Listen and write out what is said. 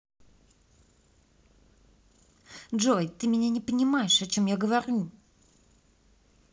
джой ты меня понимаешь о чем я говорю